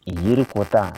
Yiri kota